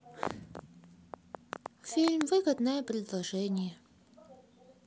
фильм выгодное предложение